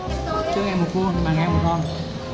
chưa nghe mùi cua mà nghe mùi tôm